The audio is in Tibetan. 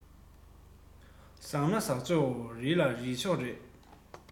འཁོར བའི གཡས གཡོན གཡང དང གད པའི གླིང